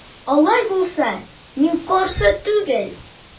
Алай булса мин каршы түгел.